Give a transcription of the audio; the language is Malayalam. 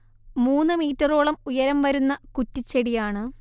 മൂന്നു മീറ്ററോളം ഉയരം വരുന്ന കുറ്റിച്ചെടിയാണ്